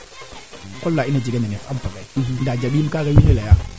kaa jeg o ndel mole leyoona dama kam fee manaam ndup matirne